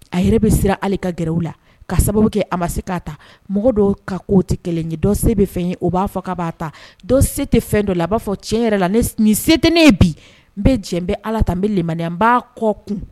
A yɛrɛ bɛ siran hali ka gɛrɛ u la ka sababu kɛ a ma se k'a ta mɔgɔ dɔw ka kow tɛ kelen ye dɔ se bɛ fɛn ye o b'a fɔ k'a b'a ta dɔ se tɛ fɛn dɔ la a b'a fɔ tiɲɛ yɛrɛ la ne s ni se tɛ ne ye bi n bɛ jɛn n bɛ Ala ta n bɛ limaniya n b'a kɔ kun